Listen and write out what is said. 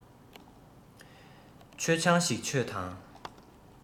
མཆོད ཆང ཞིག མཆོད དང